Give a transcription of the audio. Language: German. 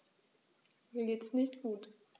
Mir geht es nicht gut.